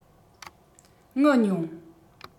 ངུ མྱོང